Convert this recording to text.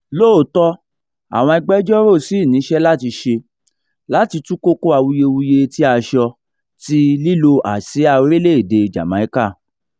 Lóòótọ́, àwọn agbẹjọ́rò ṣì níṣẹ́ láti ṣe láti tú kókó awuyewuye etí aṣọ ti lílo àsíá orílẹ̀ èdèe Jamaica.